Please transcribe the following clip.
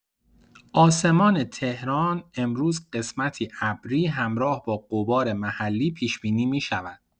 آسمان تهران امروز قسمتی ابری همراه با غبار محلی پیش‌بینی می‌شود.